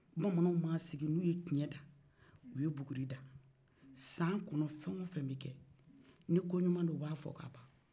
bamananw mana siggi n'u ye tiɲɛ da o ye buguri da san kɔnɔ fɛn o fɛn bɛ kɛ o b'a fɔ